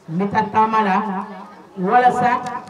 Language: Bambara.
N bɛ taa taama la walasa